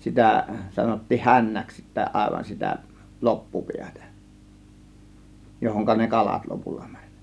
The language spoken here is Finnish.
sitä sanottiin hännäksi sitten aivan sitä loppupäätä johon ne kalat lopulla meni